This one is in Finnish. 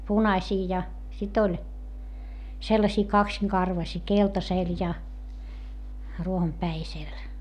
punaisia ja sitten oli sellaisia kaksinkarvaisia keltaisella ja ruohonpäisellä